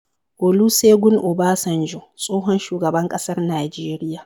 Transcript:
Olusegun Obasanjo, tsohon shugaban ƙasar Najeriya.